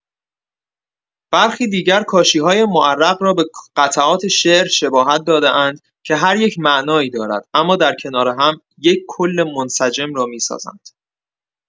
برخی دیگر کاشی‌های معرق را به قطعات شعر شباهت داده‌اند که هر یک معنایی دارند اما در کنار هم، یک کل منسجم را می‌سازند.